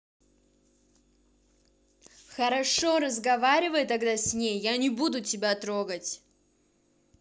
хорошо разговаривай тогда с ней я не буду тебя трогать